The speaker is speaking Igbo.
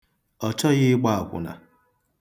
Ọ chọghị ịgba akwụna.